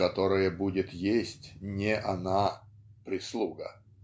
"которое будет есть не она" прислуга.